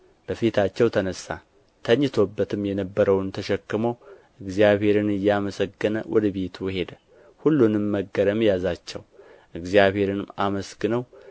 በፊታቸው ተነሣ ተኝቶበትም የነበረውን ተሸክሞ እግዚአብሔርን እያመሰገነ ወደ ቤቱ ሄደ ሁሉንም መገረም ያዛቸው እግዚአብሔርንም አመስግነው